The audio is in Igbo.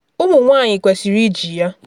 Ụmụ Nwanyị Kwesịrị Iji Ya.